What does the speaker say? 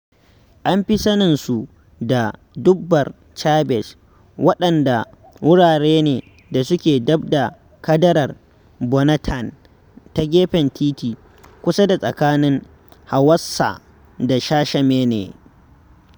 An fi sanin su da Dunbar Caɓes, waɗanda wurare ne da suke daf da kadarar Bonatan ta gefen titi kusa da tsakanin Hawassa da Shashamene